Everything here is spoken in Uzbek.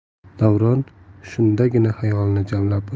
davron shundagina xayolini jamlab